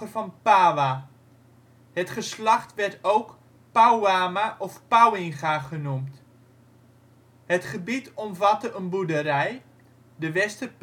van Pawa. Het geslacht werd ook Pauwama of Pauwinga genoemd. Het gebied omvatte een boerderij (de Wester